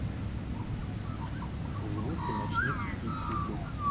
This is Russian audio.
звуки ночных птиц ютуб